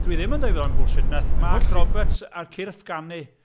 Dwi ddim yn dweud bod hwnna'n bullshit. Wnaeth Mark Roberts a'r Cyrff ganu...